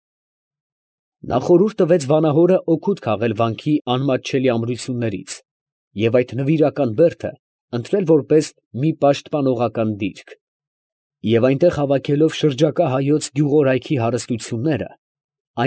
Նա խորհուրդ տվեց վանահորը օգուտ քաղել վանքի անմատչելի ամրություններից, և այդ նվիրական բերդը ընտրել որպես մի պաշտպանողական դիրք, և այնտեղ հավաքելով շրջակա հայոց գյուղորայքի հարստությունները, ֊